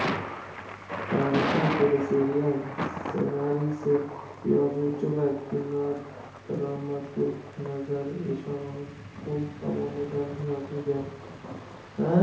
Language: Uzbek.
tarixiy teleserial ssenariysi yozuvchi va kinodramaturg nazar eshonqul tomonidan yozilgan